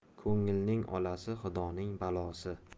ko'ngilning olasi xudoning balosi